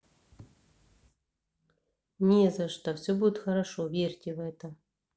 не за что все будет хорошо верьте в это